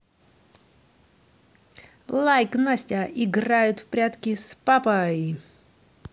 лайк настя играет в прятки с папой